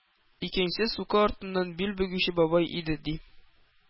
Икенчесе — сука артыннан бил бөгүче бабай иде, ди.